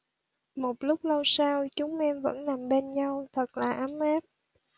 một lúc lâu sau chúng em vẫn nằm bên nhau thật là ấm áp